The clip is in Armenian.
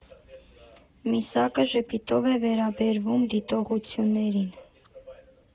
Միսակը ժպիտով է վերաբերվում դիտողություններին.